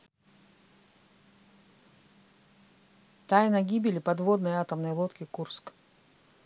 тайна гибели подводной атомной лодки курск